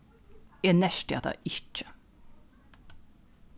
eg nerti hatta ikki